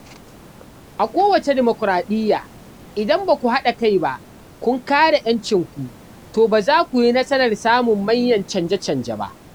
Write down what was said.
A kowace demokoraɗiyya, idan ba ku haɗa kai ba, kun kare 'yancinku, to ba za ku yi nasarar samun manyan canje-canje ba.